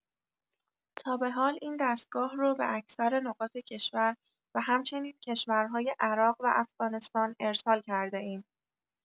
تا بحال این دستگاه رو به اکثر نقاط کشور و همچنین کشورهای عراق و افغانستان ارسال کرده‌ایم.